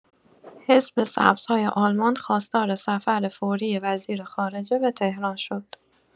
حزب سبزهای آلمان خواستار سفر فوری وزیرخارجه به تهران شد.